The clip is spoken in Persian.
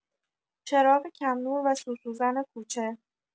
چراغ کم‌نور و سوسوزن کوچه